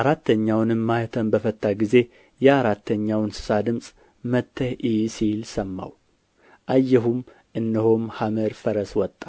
አራተኛውንም ማኅተም በፈታ ጊዜ የአራተኛው እንስሳ ድምፅ መጥተህ እይ ሲል ሰማሁ አየሁም እነሆም ሐመር ፈረስ ወጣ